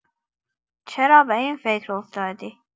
چرا به این فکر افتادی؟